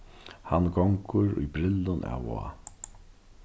hann gongur í brillum av og á